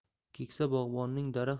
keksa bog'bonning daraxt